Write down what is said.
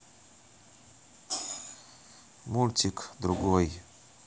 мультик другой